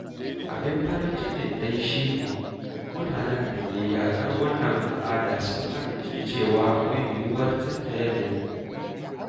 Abin farin cikin dai shi ne mutanen da ke yaƙar wannan al'ada sun amince cewa akwai yiwuwar a canja yanayin.